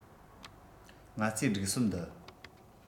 ང ཚོའི སྒྲིག སྲོལ འདི